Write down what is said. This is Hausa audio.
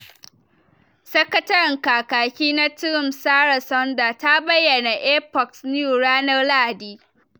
Sakataren Kakaki na Trump, Sara Saunders, ta bayyana a Fox News ranar Lahadi.